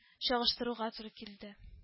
Чагыштыруга туры килде